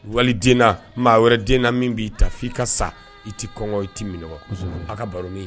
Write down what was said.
Wali den na maa wɛrɛ den na min b'i ta f'i ka sa i ti kɔngɔ i ti minɔgɔ kɔsɛbɛ aw ka baroni